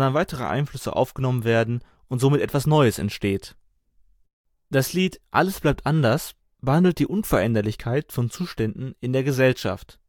weitere Einflüsse aufgenommen werden und somit etwas Neues entsteht. Das Lied Alles bleibt anders behandelt die Unveränderlichkeit von Zuständen in der Gesellschaft